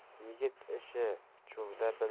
yigit ishi bichuvda